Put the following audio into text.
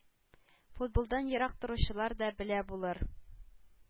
Футболдан ерак торучылар да белә булыр: